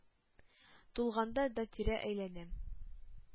Тулганда да тирә-әйләнәм.